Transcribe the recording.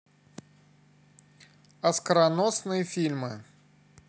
оскароносные фильмы